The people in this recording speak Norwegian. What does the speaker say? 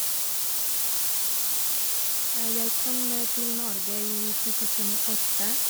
Jeg kom til Norge i to tusen og åtte.